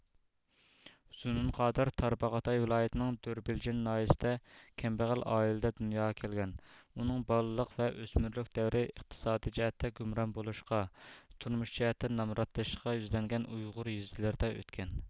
زۇنۇن قادىر تارباغاتاي ۋىلايىتىنىڭ دۆربىلجىن ناھىيىسىدە كەمبەغەل ئائىلىدە دۇنياغا كەلگەن ئۇنىڭ بالىلىق ۋە ئۆسمۈرلۈك دەۋرى ئىقتىسادىي جەھەتتە گۇمران بولۇشقا تۇرمۇش جەھەتتە نامراتلىشىشقا يۈزلەنگەن ئۇيغۇر يېزىلىرىدا ئۆتكەن